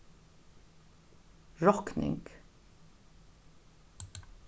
rokning